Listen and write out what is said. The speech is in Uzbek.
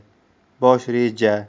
bosh reja